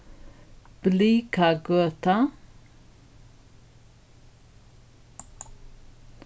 blikagøta